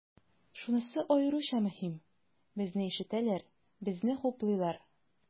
Шунысы аеруча мөһим, безне ишетәләр, безне хуплыйлар.